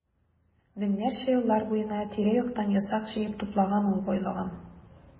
Меңнәрчә еллар буена тирә-яктан ясак җыеп туплаган ул байлыгын.